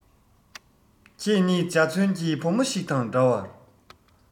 ཁྱེད ནི འཇའ ཚོན གྱི བུ མོ ཞིག དང འདྲ བར